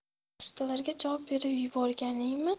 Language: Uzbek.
ustalarga javob berib yuborganingni